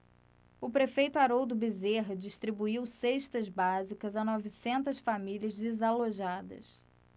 o prefeito haroldo bezerra distribuiu cestas básicas a novecentas famílias desalojadas